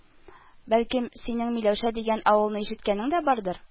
Бәлкем, синең Миләүшә дигән авылны ишеткәнең дә бардыр